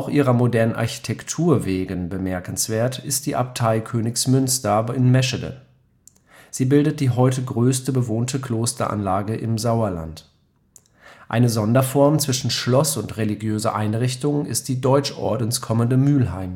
ihrer modernen Architektur wegen bemerkenswert ist die Abtei Königsmünster in Meschede. Sie bildet die heute größte bewohnte Klosteranlage im Sauerland. Eine Sonderform zwischen Schloss und religiöser Einrichtung ist die Deutschordenskommende Mülheim